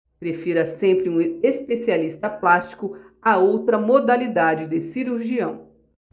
prefira sempre um especialista plástico a outra modalidade de cirurgião